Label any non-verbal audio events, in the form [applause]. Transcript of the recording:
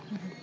[hesitation] [hesitation]